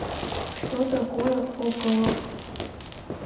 что такое околок